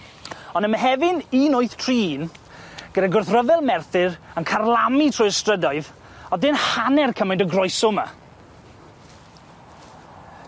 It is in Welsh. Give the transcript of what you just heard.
On' ym Mehefin un wyth tri un gyda gwrthryfel Merthyr yn carlamu trwy'r strydoedd o'dd dim hanner cymaint o groeso 'my.